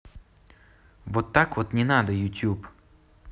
вот так вот не надо youtube